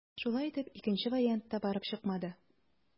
Шулай итеп, икенче вариант та барып чыкмады.